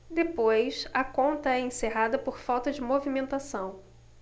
depois a conta é encerrada por falta de movimentação